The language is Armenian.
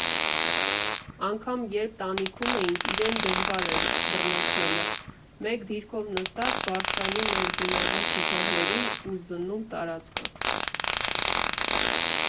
Անգամ երբ տանիքում էինք, իրեն դժվար էր «բռնեցնելը» մեկ դիրքով նստած ՝ բարձրանում էր գունավոր թիթեղներին ու զննում տարածքը։